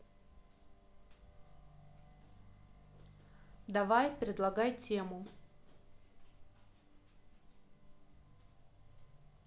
давай предлагай тему